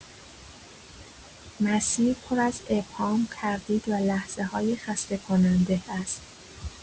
مسیر پر از ابهام، تردید و لحظه‌های خسته‌کننده است.